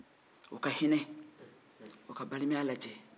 u ka hinɛ ka balimaya lajɛ